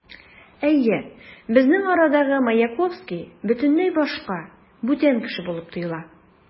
Әйе, безнең арадагы Маяковский бөтенләй башка, бүтән кеше булып тоела.